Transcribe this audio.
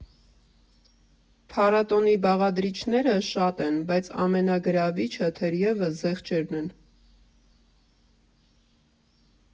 Փառատոնի բաղադրիչները շատ են, բայց ամենագրավիչը, թերևս, զեղչերն են.